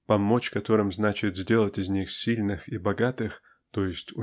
помочь которым--значит сделать из них сильных и богатых т. е.